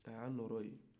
a y'a nɔɔrɔ ye